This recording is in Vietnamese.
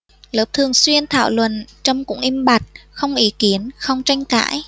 lớp thường xuyên thảo luận trâm cũng im bặt không ý kiến không tranh cãi